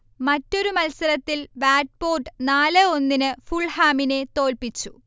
മറ്റൊരു മത്സരത്തിൽ വാറ്റ്പോർഡ് നാല് ഒന്നിന് ഫുൾഹാമിനെ തോൽപ്പിച്ചു